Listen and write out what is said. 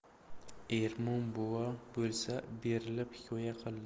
ermon buva bo'lsa berilib hikoya qiladi